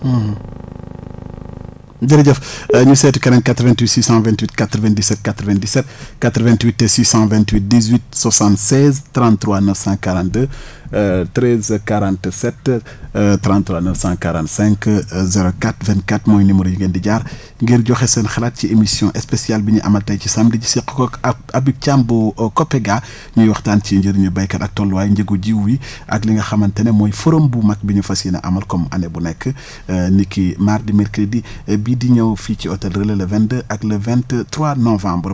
jërëjëf ñu seeti keneen 88 628 97 97 88 628 78 76 33 942 13 47 33 945 04 24 mooy numéro yi ngeen di jaar ngir joxe seen xalaat ci émission spéciale bi ñuy amal tey ci samedi ji seq koog ak Habib Thiam bu COPEGA ñuy waxtaan ci njëriñu béykat ak tolluwaay njëgu jiw wi ak li nga xamante ne mooy forum bu mag bi ñu fas yéene amal comme année bu nekk ni ki mardi mercredi bii di ñëw fii ci hôtel Relais le 22 ak le 23 novembre